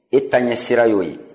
e taɲɛsira y'o ye